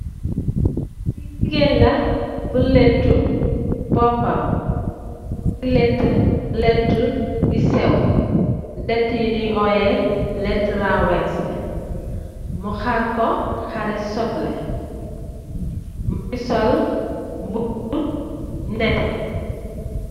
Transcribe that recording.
Ki jigeen la bu latu mbopam mogi lato lato yu seew laati yu nyoi oyeh laati ravese mo haar ko hari soble magi sol mbubu bilu neteh.